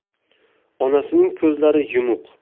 onasining ko'zlari yumuq